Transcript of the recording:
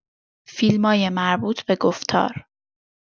فیلمای مربوط به گفتار